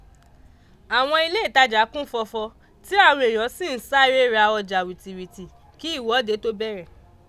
Àwọn ilé ìtajà kún fọfọ tí àwọn èèyàn sì ń sáré ra ọjà wìtìwìti kí ìwọ́de tó bẹ̀rẹ̀.